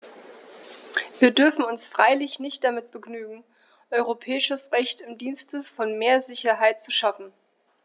Wir dürfen uns freilich nicht damit begnügen, europäisches Recht im Dienste von mehr Sicherheit zu schaffen.